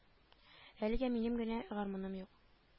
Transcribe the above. Әлегә минем генә гармуным юк